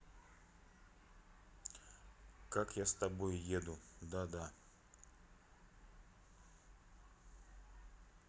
как я с тобой еду да да